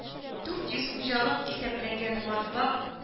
Дурт йөз хуҗалык исәпләнгән